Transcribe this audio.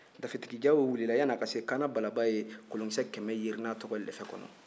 dafetigi jawoyi wulila yanni a ka se kaana balaba ye kolonkisɛ kɛmɛ yeri n'a tɔgɔ ye lɛfɛ kɔnɔ